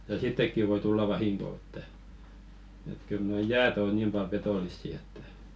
ja sittenkin voi tulla vahinko että että kyllä nuo jäät on niin paljon petollisia että